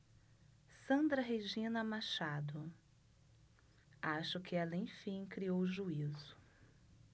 sandra regina machado acho que ela enfim criou juízo